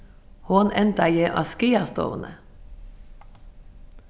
hon endaði á skaðastovuni